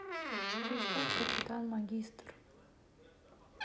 приставка титан магистр